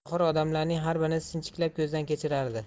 tohir odamlarning har birini sinchiklab ko'zdan kechiradi